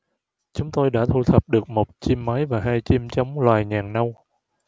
chúng tôi đã thu thập được một chim mái và hai chim trống loài nhàn nâu